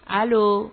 Paul